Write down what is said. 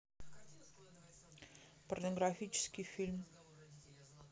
порнографический фильм